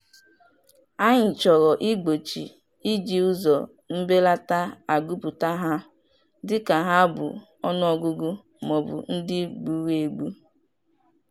Anyị chọrọ igbochi ịji ụzọ mbelata agụpụta ha dịka ha bụ ọnụọgụgụ maọbụ ndị gburu egbu.